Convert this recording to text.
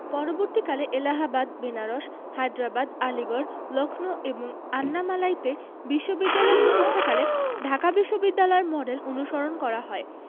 পরবর্তীকালে এলাহাবাদ বেনারস হায়দ্রাবাদ আলীগড় লক্ষ্ণৌ এবং আন্নামালাইতে বিশ্ববিদ্যালয় প্রতিষ্ঠাকালে ঢাকা বিশ্ববিদ্যালয়ের মডেল অনুসরণ করা হয়